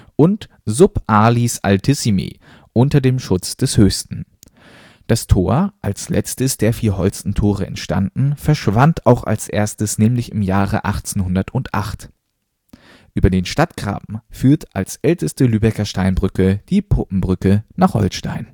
und Sub alis altissimi („ Unter dem Schutz des Höchsten “, Feldseite). Das Tor, als letztes der vier Holstentore entstanden, verschwand auch als erstes, nämlich im Jahre 1808. Über den Stadtgraben führt als älteste Lübecker Steinbrücke die Puppenbrücke nach Holstein